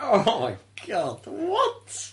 Oh my God, what?